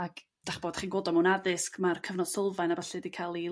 ac 'dach ch'bod chi'n gweld o mewn addysg ma'r cyfnod sylfaen y ballu 'di ca'l 'i